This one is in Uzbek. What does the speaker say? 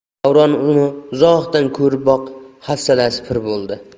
davron uni uzoqdan ko'riboq hafsalasi pir bo'ldi